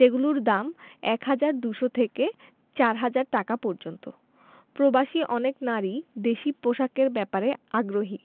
যেগুলোর দাম ১ হাজার ২০০ থেকে ৪ হাজার টাকা পর্যন্ত প্রবাসী অনেক নারীই দেশি পোশাকের ব্যাপারে আগ্রহী